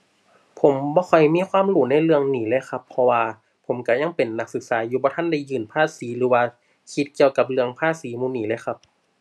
ผมบ่ค่อยมีความรู้ในเรื่องนี้เลยครับ เพราะว่าผมรู้ยังเป็นนักศึกษาอยู่ บ่ทันได้ยื่นภาษี หรือว่าคิดเกี่ยวกับเรื่องภาษีหมู่นี้เลยครับ